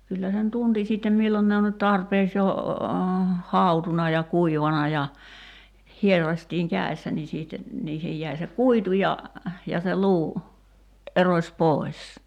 kyllä sen tunsi sitten milloin ne on nyt tarpeeksi jo hautunut ja kuivanut ja hieraistiin kädessä niin sitten niihin jäi se kuitu ja ja se luu erosi pois